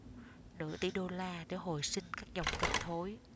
nửa tỷ đô la để hồi sinh các dòng kênh thối